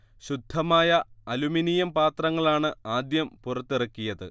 ശുദ്ധമായ അലുമിനിയം പാത്രങ്ങളാണ് ആദ്യം പുറത്തിറക്കിയത്